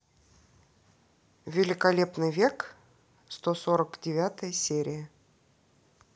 великолепный век сто сорок девятая серия